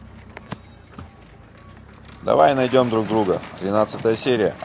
давай найдем друг друга тринадцатая серия